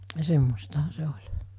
semmoistahan se oli